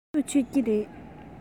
བོད ཐུག མཆོད ཀྱི རེད